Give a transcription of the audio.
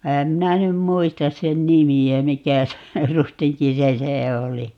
enhän minä nyt muista sen nimeä mikä se rustinki se se oli